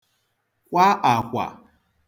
kwa àkwà